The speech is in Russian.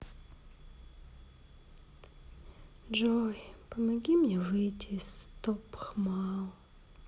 джой помоги мне выйти из стоп хмао